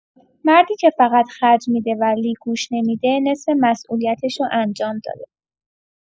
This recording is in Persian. مردی که فقط خرج می‌ده ولی گوش نمی‌ده، نصف مسئولیتشو انجام داده.